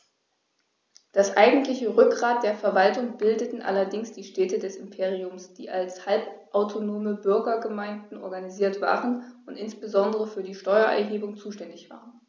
Das eigentliche Rückgrat der Verwaltung bildeten allerdings die Städte des Imperiums, die als halbautonome Bürgergemeinden organisiert waren und insbesondere für die Steuererhebung zuständig waren.